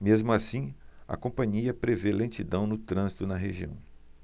mesmo assim a companhia prevê lentidão no trânsito na região